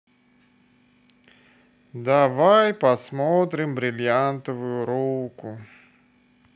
давай посмотрим бриллиантовую руку